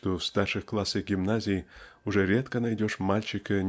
что в старших классах гимназий уже редко найдешь мальчика